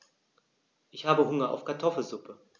Ich habe Hunger auf Kartoffelsuppe.